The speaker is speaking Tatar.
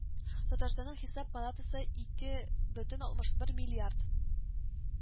Татарстанның Хисап палатасы ике бөтен алтмы бер миллиард